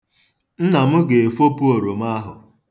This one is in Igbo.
Nna m ga-efopụ oroma ahụ.